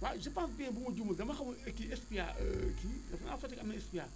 waaw je pense bien bu ma juumul dama xamul kii SPIA kii defe naa Fatick am na SPIA